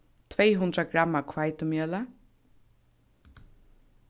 tvey hundrað gramm av hveitimjøli